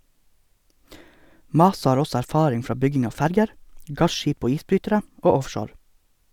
Masa har også erfaring fra bygging av ferger, gasskip og isbrytere og offshore.